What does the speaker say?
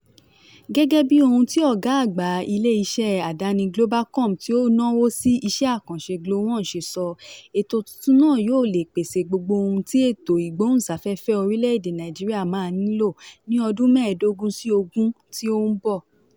Gẹ́gẹ́ bí ohun tí ọ̀gá àgbà ilé iṣẹ́ àdáni Globacom tí ó náwó sí iṣẹ́ àkànṣe Glo-1 ṣe sọ, ètò tuntun náà yóò lè pèsè gbogbo ohun tí ètò ìgbóhùn sáfẹ́fẹ́ orílẹ̀ èdè Nàìjíríà máa nílò ní ọdún mẹ́ẹ̀dógún sí ogún tí ó ń bọ̀.